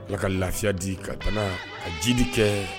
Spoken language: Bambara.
Ala ka lafiya di, ka bana ka jidi kɛ